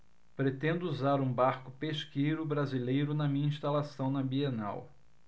pretendo usar um barco pesqueiro brasileiro na minha instalação na bienal